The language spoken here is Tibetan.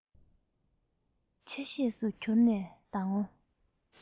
ཆ ཤས སུ གྱུར ནས ཟླ ངོ